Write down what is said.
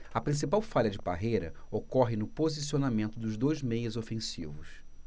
a principal falha de parreira ocorre no posicionamento dos dois meias ofensivos